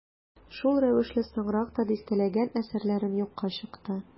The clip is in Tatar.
Шул рәвешле соңрак та дистәләгән әсәрләрем юкка чыкты.